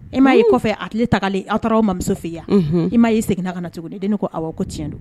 I m ma'i kɔfɛ a hakili tagalen aw taara aw ma muso fɛ i yan i ma y'i seginnana ka na cogo di deni ko ko tiɲɛn don